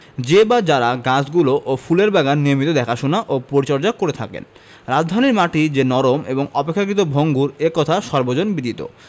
যে বা যারা গাছগুলো ও ফুলের বাগান নিয়মিত দেখাশোনা ও পরিচর্যা করে থাকেন রাজধানীর মাটি যে নরম এবং অপেক্ষাকৃত ভঙ্গুর এ কথা সর্বজনবিদিত